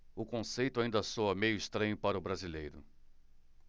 o conceito ainda soa meio estranho para o brasileiro